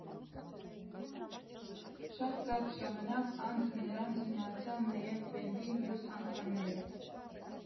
Շատ կարճ ժամանակ անց նրանց միացան նաև բենդի մյուս անդամները։